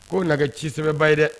Ko nɛgɛ ci sɛbɛnba ye dɛ